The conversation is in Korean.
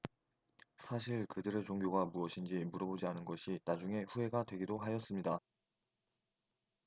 사실 그들의 종교가 무엇인지 물어보지 않은 것이 나중에 후회가 되기도 하였습니다